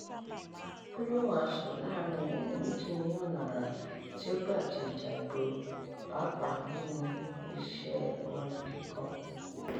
Gbólóhùn asọ̀ láàárín ẹni méjì ní ọ̀nà àrà tí ó gbà di ìjà ìgboro — papàá nínú iṣẹ́ orin kíkọ.